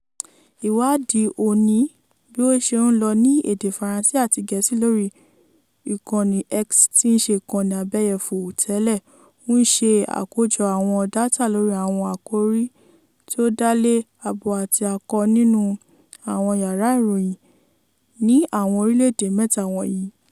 Ìwádìí oní bí ó ṣe ń lọ ní èdè Faransé àti Gẹ̀ẹ́sì lórí ìkànnì X (tíí ṣe Ìkànnì Abẹ́yẹfò tẹ́lẹ̀) ń ṣe àkójọ àwọn dátà lórí àwọn àkòrí tí ó dá lé abo àti akọ nínú àwọn yàrá ìròyìn ní àwọn orílẹ́ èdè mẹ́ta wọ̀nyí.